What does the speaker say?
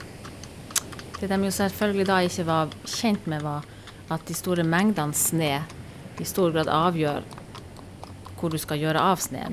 Det dem jo selvfølgelig da ikke var kjent med var at de store mengdene snø i stor grad avgjør hvor du skal gjøre av snøen.